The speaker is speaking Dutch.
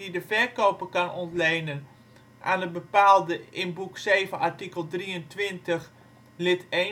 de verkoper kan ontlenen aan het bepaalde in art. 7:23 BW lid 1